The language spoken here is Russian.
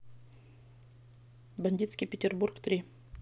бандитский петербург три